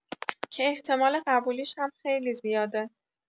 که احتمال قبولیش هم خیلی زیاده